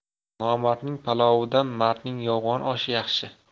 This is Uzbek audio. nomardning palovidan mardning yovg'on oshi yaxshi